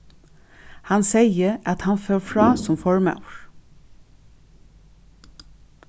hann segði at hann fór frá sum formaður